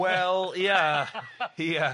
Wel ia, ia!